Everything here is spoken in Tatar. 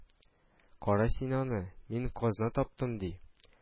Кара син аны. Мин казна таптым, — ди